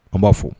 An b'a fo